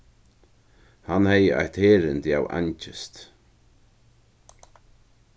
hann hevði eitt herðindi av angist